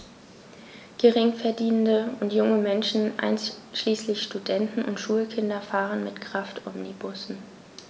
Geringverdienende und junge Menschen, einschließlich Studenten und Schulkinder, fahren mit Kraftomnibussen.